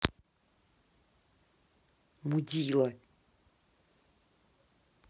мудила